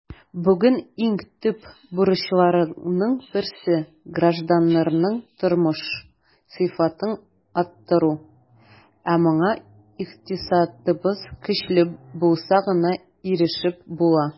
Бүген иң төп бурычларның берсе - гражданнарның тормыш сыйфатын арттыру, ә моңа икътисадыбыз көчле булса гына ирешеп була.